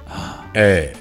Aa ɛɛ